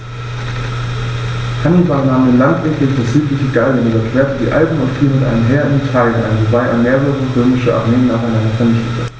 Hannibal nahm den Landweg durch das südliche Gallien, überquerte die Alpen und fiel mit einem Heer in Italien ein, wobei er mehrere römische Armeen nacheinander vernichtete.